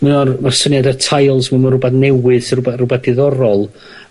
ma' o'r ma'r syniad o teils, ma' 'na rwbath newydd sy rwba- rwbath diddorol